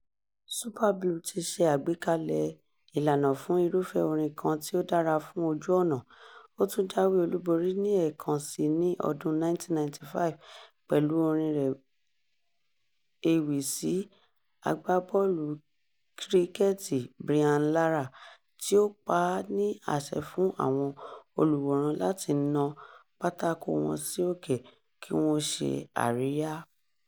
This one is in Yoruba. Super Blue tí ṣe àgbékalẹ̀ ìlànà fún irúfẹ́ orin kan tí ó dára fún ojú ọ̀nà: ó tún jáwé olúborí ní èèkàn sí i ní ọdún-un 1995 pẹ̀lú orin-in rẹ̀ ewì sí agbábọ́ọ̀lù kríkẹ́ẹ̀tì Brian Lara, tí ó pa á ní àṣẹ fún àwọn olùwòran láti "na pátákóo wọn sí òkè kí wọn ó ṣe àríyá".